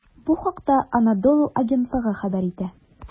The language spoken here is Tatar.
Бу хакта "Анадолу" агентлыгы хәбәр итә.